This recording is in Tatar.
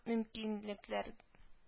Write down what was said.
Мөмкинлекләр